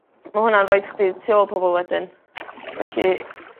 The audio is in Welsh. ma' hwnna'n roid chdi tu ôl pobol wedyn felly